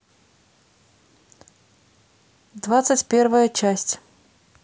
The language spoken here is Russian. двадцать первая часть